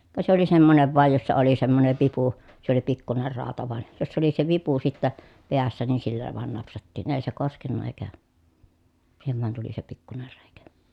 ka se oli semmoinen vain jossa oli semmoinen vipu se oli pikkuinen rauta vain jossa oli se vipu sitten päässä niin sillä vain napsattiin ei se koskenut eikä siihen vain tuli se pikkuinen reikä